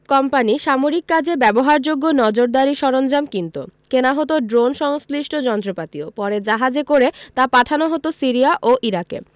company সামরিক কাজে ব্যবহারযোগ্য নজরদারি সরঞ্জাম কিনত কেনা হতো ড্রোন সংশ্লিষ্ট যন্ত্রপাতিও পরে জাহাজে করে তা পাঠানো হতো সিরিয়া ও ইরাকে